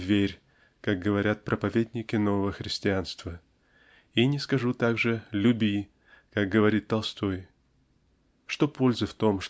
"верь", как говорят проповедники нового христианства, и не скажу также "люби", как говорит Толстой. Что пользы в том